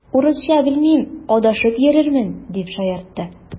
Урысча белмим, адашып йөрермен, дип шаяртты.